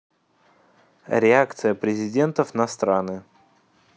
реакция президентов на страны